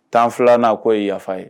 Tan filanan' k'o ye yafa ye